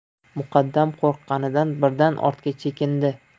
muqaddam qo'rqqanidan birdan orqaga chekindi